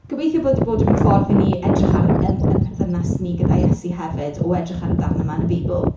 Gobeithio bod 'di bod yn ffordd i ni edrych ar yym ein berthynas ni gyda Iesu hefyd o edrych ar y darnau 'ma yn y Beibl.